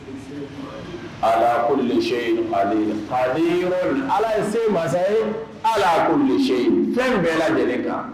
Ala ko ala se ala ko seyi fɛn in bɛɛ lajɛlen kan